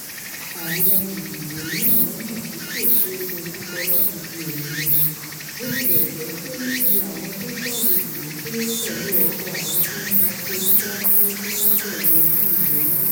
Àwọn olùdìbò yàn lọ́ná tí kòṣeé dojúkọ láti di olómìnira, botilẹjepe iye àwọn tó jáde dìbò kéré pẹ̀lú ọ̀pọ̀ àwọn tó ńtako dídádúró tíwọn dẹ́yẹ sí ìbò náà.